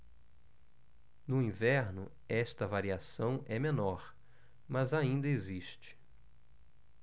no inverno esta variação é menor mas ainda existe